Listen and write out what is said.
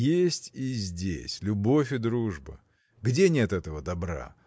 – Есть и здесь любовь и дружба, – где нет этого добра?